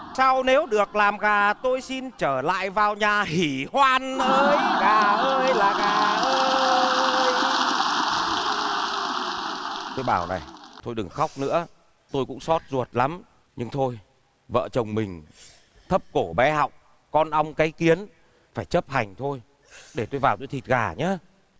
sau nếu được làm gà tôi xin trở lại vào nhà hỉ hoan ới gà ơi là gà ơi tôi bảo này thôi đừng khóc nữa tôi cũng xót ruột lắm nhưng thôi vợ chồng mình thấp cổ bé họng con ong cái kiến phải chấp hành thôi để tôi vào thịt gà nhá